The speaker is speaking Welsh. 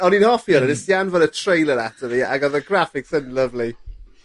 ...o'n i'n offi wnna nest di anfon y trailer ato fi ag odd y graphics yn lyfli.